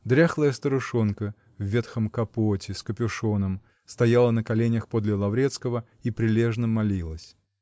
Дряхлая старушонка в ветхом капоте с капюшоном стояла на коленях подле Лаврецкого и прилежно молилась